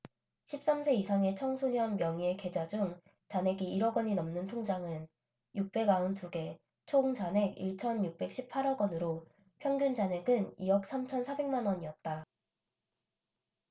십 삼 세 이상의 청소년 명의의 계좌 중 잔액이 일 억원이 넘는 통장은 육백 아흔 두 개 총 잔액 일 천 육백 십 팔 억원으로 평균 잔액은 이 억 삼 천 사백 만원이었다